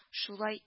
Шулай